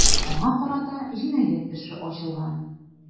Аңа карата җинаять эше ачылган.